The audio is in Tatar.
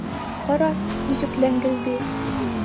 Кара, ничек ләңгелди!